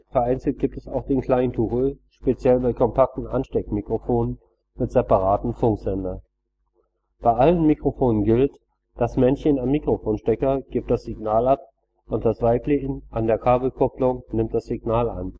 Vereinzelt gibt es auch den „ Klein-Tuchel “– speziell bei kompakten Ansteckmikrofonen mit separatem Funksender. Bei allen Mikrofonen gilt: Das „ Männchen “am Mikrofonstecker gibt das Signal ab und das „ Weibchen “an der Kabelkupplung nimmt das Signal an